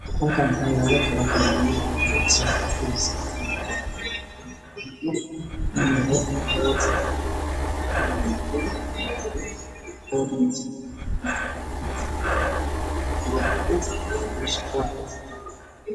Halkaan waxaa yaalo kabo